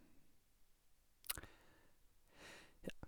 Ja.